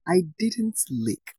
I didn't leak."